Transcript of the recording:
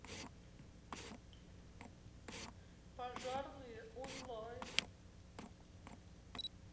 пожарные онлайн